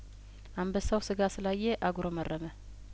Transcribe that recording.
አንበሳው ስጋ ስላየአጉረመረመ